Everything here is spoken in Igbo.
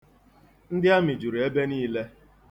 Ndị amị juru ebe niile.